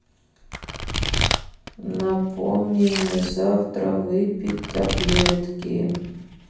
напомни мне завтра выпить таблетки